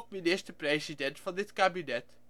minister-president van dit kabinet